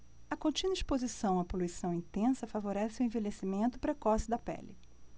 a contínua exposição à poluição intensa favorece o envelhecimento precoce da pele